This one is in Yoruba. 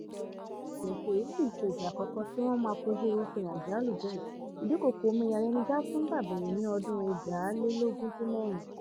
Ó ba ni lọ́kàn jẹ́ pé, èyí kìí ṣe ìgbà àkọ́kọ́ tí wọ́n máa kọjú irúfẹ́ àjálù bẹ́ẹ̀: ìdúnkòokò omíyalé ní Gatumba bẹ̀rẹ̀ ní ọdún 2016.